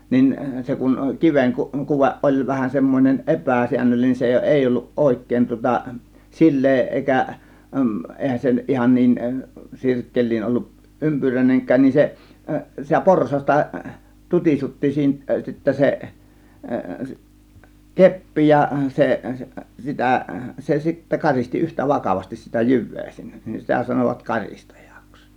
niin se kun kiven - kuve oli vähän semmoinen epäsäännöllinen se ei ollut oikein tuota sileä eikä eihän se nyt ihan niin sirkkeliin ollut ympyriäinenkään niin se sitä porsasta tutisutti siinä sittä se keppi ja se sitä se sitten karisti yhtä vakavasti sitä jyvää sinne niin sitä sanoivat karistajaksi